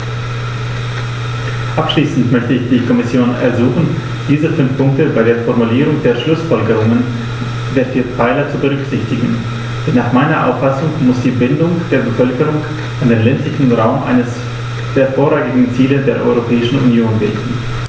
Abschließend möchte ich die Kommission ersuchen, diese fünf Punkte bei der Formulierung der Schlußfolgerungen der vier Pfeiler zu berücksichtigen, denn nach meiner Auffassung muss die Bindung der Bevölkerung an den ländlichen Raum eines der vorrangigen Ziele der Europäischen Union bilden.